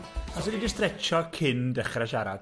Os ydyn ni'n stretsio cyn dechrau siarad?